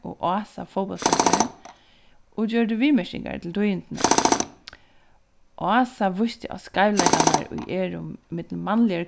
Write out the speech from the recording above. og ása fótbóltsleikari og gjørdu viðmerkingar til tíðindini ása vísti á skeivleikarnar ið eru millum mannligar og